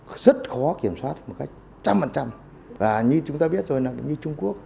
rất khó kiểm soát một cách trăm phần trăm và như chúng ta biết rồi là như trung quốc